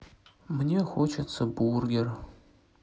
мне хочется бургер